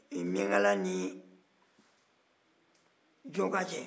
o ye miɲankala ni jɔka cɛ ye